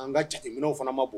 K an ka ca jateminw fana ma bon